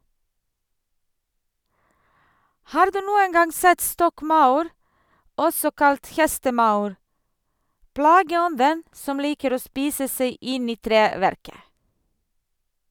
Har du noen gang sett stokkmaur, også kalt hestemaur, plageånden som liker å spise seg inn i treverket?